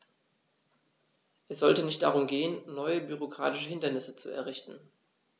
Es sollte nicht darum gehen, neue bürokratische Hindernisse zu errichten.